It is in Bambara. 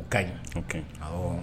O ka ɲi ɔ